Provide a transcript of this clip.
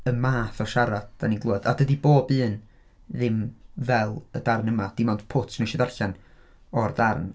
..Y math o siarad dan ni'n glywed a dydy bob un ddim fel y darn yma dim ond pwt wnes i ddarllen o'r darn.